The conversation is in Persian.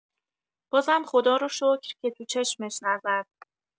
بازم خدا رو شکر که تو چشمش نزد.